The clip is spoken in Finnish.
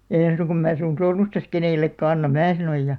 no en suinkaan minä sinun sormustasi kenellekään anna minä sanoin ja